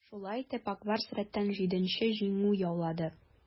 Шулай итеп, "Ак Барс" рәттән җиденче җиңү яулады.